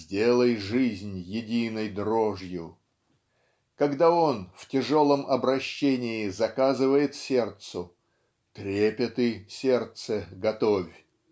"сделай жизнь единой дрожью" когда он в тяжелом обращении заказывает сердцу "трепеты сердце готовь"